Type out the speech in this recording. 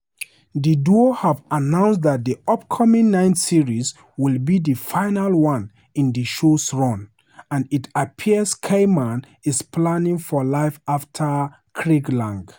The duo have announced that the upcoming ninth series will be the final one in the show's run, and it appears Kiernan is planning for life after Craiglang.